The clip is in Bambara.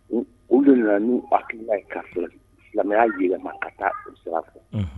Olu de nana n'u hakilila ye ka silamɛya yɛlɛma ka taa o sira fɛ.